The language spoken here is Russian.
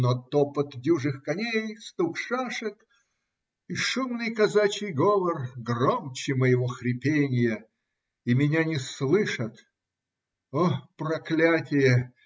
но топот дюжих коней, стук шашек и шумный казачий говор громче моего хрипенья, и меня не слышат! О, проклятие!